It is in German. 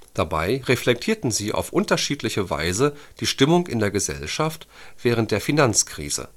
Dabei reflektierten sie auf unterschiedliche Weise die Stimmung in der Gesellschaft während der Finanzkrise